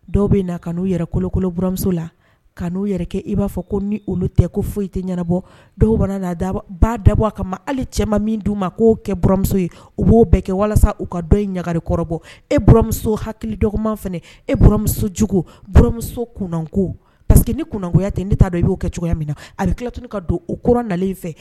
Dɔw bɛ na ka' uu yɛrɛ kolokolo buramuso la ka n'u yɛrɛ i b'a fɔ ko ni olu tɛ ko foyi tɛ ɲɛnabɔ dɔwbana dabɔ ba dabɔ a kama ma ale cɛ ma min d'u ma k'o kɛ buramuso ye u b'o bɛɛ kɛ walasa u ka dɔ ye ɲagali kɔrɔbɔ e bmuso hakili dɔgɔkunman fana e buramusojugu buramuso kunko pa parceseke que ni kungoya tɛ n' t' dɔn i b'o kɛ cogoya min na a bɛ tilat ka don u kura nalen fɛ